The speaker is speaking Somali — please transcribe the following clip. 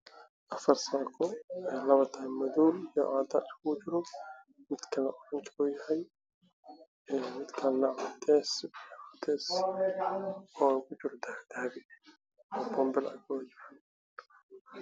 Afar saako labo taay madow ah